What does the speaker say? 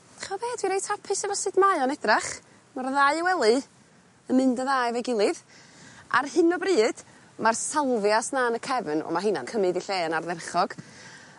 Ch'o' be dwi reit hapus efo sut mae o'n edrach ma'r ddau wely yn mynd yn dda efo'i gilydd ar hyn o bryd ma'r salvias 'na yn y cefyn o ma' rheina'n cymyd 'u lle yn ardderchog.